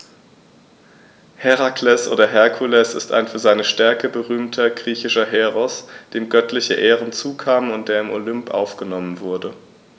Herakles oder Herkules ist ein für seine Stärke berühmter griechischer Heros, dem göttliche Ehren zukamen und der in den Olymp aufgenommen wurde.